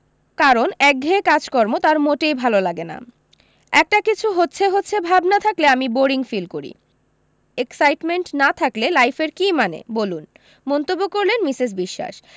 কারণ একঘেয়ে কাজকর্ম তার মোটেই ভালো লাগে না একটা কিছু হচ্ছে হচ্ছে ভাব না থাকলে আমি বোরিং ফিল করি এক্সাইটমেণ্ট না থাকলে লাইফের কী মানে বলুন মন্তব্য করলেন মিসেস বিশোয়াস